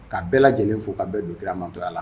Ka bɛɛ lajɛlen fo ka bɛn don kiramantɔya la